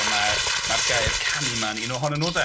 A ma' ma'r gair canu 'ma yn un ohonyn nhw de.